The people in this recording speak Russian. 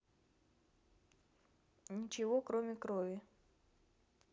ничего кроме крови